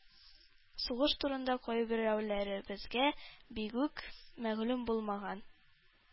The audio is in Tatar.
Сугыш турында кайберәүләребезгә бигүк мәгълүм булмаган